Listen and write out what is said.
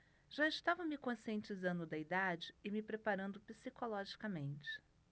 já estava me conscientizando da idade e me preparando psicologicamente